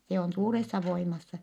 se on suuressa voimassa